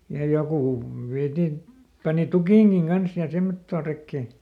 ja joku vietiin pani tukinkin kanssa ja semmottoon rekeen